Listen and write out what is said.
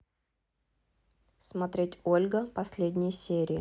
смотреть ольга последние серии